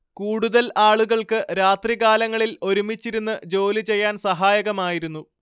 കൂടുതൽ ആളുകൾക്ക് രാത്രികാലങ്ങളിൽ ഒരുമിച്ചിരുന്നു ജോലിചെയ്യാൻ സഹായകമായിരുന്നു